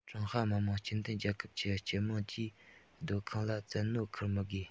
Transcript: ཀྲུང ཧྭ མི དམངས སྤྱི མཐུན རྒྱལ ཁབ ཀྱི སྤྱི དམངས ཀྱིས སྡོད ཁང ལ བཙན གནོད འཁུར མི དགོས